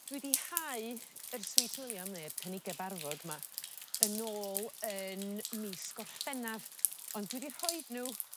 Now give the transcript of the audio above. Dwi 'di hau yr sweet William ne'r penige barfog 'ma yn ôl yn mis Gorffennaf ond dwi 'di rhoid n'w